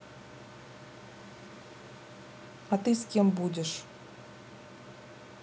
а ты с кем будешь